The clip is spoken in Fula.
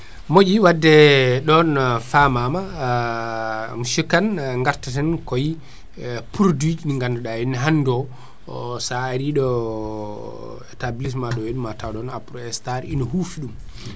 moƴƴi wade ɗon faamama monsieur Kane gartaten koyi produit ji ɗi ganduɗa henna hande o sa ari ɗo établissement ɗo henna ma tawɗon Aprostar ina huufi ɗum